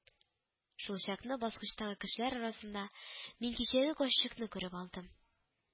Шул чакны баскычтагы кешеләр арасында мин кичәге карчыкны күреп алдым